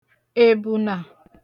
èbùnà